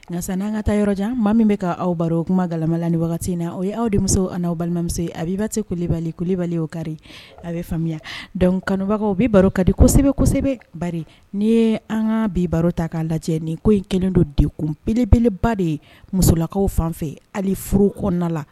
Nka anan ka taa yɔrɔjan maa min bɛ' awaw baro o kuma galamala ni wagati in na o ye aw de muso n'aw balimamuso a'ba se kule kubali oo kari a bɛ faamuya dɔn kanubaga bɛ baro ka di kosɛbɛ kosɛbɛ ba ni ye an ka bi baro ta k'a lajɛ nin ko in kelen don de kunbelebeleba de ye musolakaw fan fɛ ali furuk la